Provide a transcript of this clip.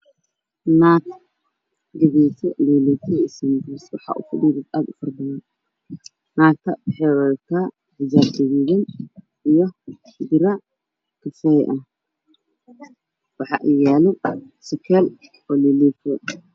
Waa suuq waxaa joogo naga fara badan waxaa lagu wadayaa sikaal ku jira wax cagaar oo ah leeleefow waxaa fadhiya naga wataan xijaab guduud xijaab cadde